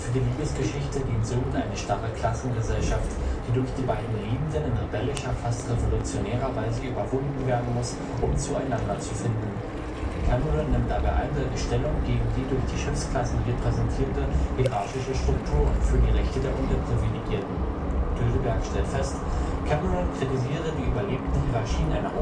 Liebesgeschichte dient somit eine starre Klassengesellschaft, die durch die beiden Liebenden in rebellischer, fast revolutionärer Weise überwunden werden muss, um zueinander zu finden. Cameron nimmt dabei eindeutig Stellung gegen die durch die Schiffsklassen repräsentierte hierarchische Struktur und für die Rechte der Unterprivilegierten. Töteberg stellt fest, Cameron kritisiere „ die überlebten Hierarchien einer